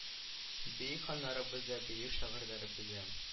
Бөек ханнарыбыз да бөек шагыйрьләребез дә